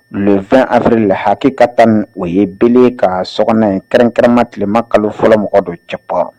2 afiri la hakɛ ka ta o ye bereele ka so kɛrɛnkɛrɛnma tilema kalo fɔlɔ mɔgɔ don cɛp